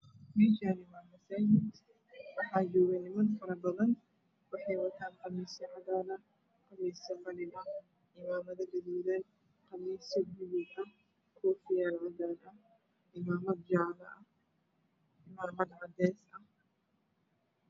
Meeshaan waa masaajid waxaa joogo niman faro badan waxay wataan qamiisyo cadaan ah qamiisyo qalin ah cimaamad gaduudan qamiisyo gaduudan ookiyaalo cadaan ah cimaamado jaalo ah cimaamad cadeys ah.